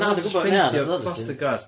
Na dwi'n gwbo 'na o'dd o'dd hyst yn...